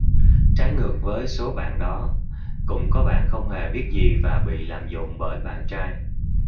trái ngược với số bạn đó cũng có bạn không hề biết gì và bị lạm dụng bởi bạn trai